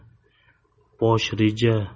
bosh reja